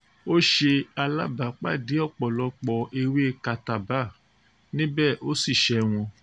Ó ṣe alábàápàdé ọ̀pọ̀lọpọ̀ ewé kátabá níbẹ̀ ó sì ṣẹ́ wọn.